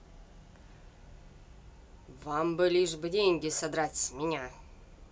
вам лишь бы деньги содрать с меня